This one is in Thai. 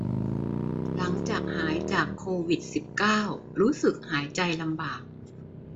หลังจากหายจากโควิดสิบเก้ารู้สึกหายใจลำบาก